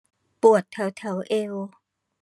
ปวดแถวแถวเอว